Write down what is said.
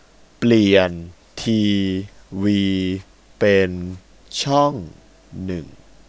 เปลี่ยนทีวีเป็นช่องหนึ่ง